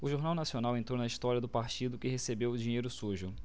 o jornal nacional entrou na história do partido que recebeu dinheiro sujo